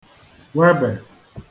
webè